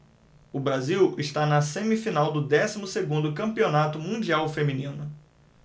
o brasil está na semifinal do décimo segundo campeonato mundial feminino